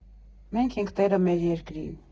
֊ Մենք ենք տերը մեր երկրի։